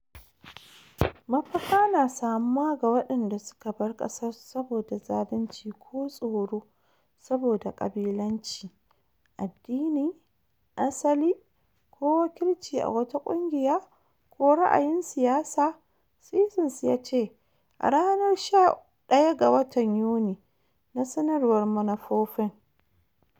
"Mafaka na samuwa ga waɗanda suka bar ƙasarsu saboda zalunci ko tsoro saboda kabilanci, addini, asali, ko wakilci a wata ƙungiya ko ra'ayin siyasa," Sessions ya ce a ranar 11 ga watan yuni na sanarwar manufofin.